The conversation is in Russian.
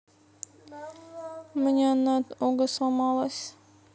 у меня nat ога сломалась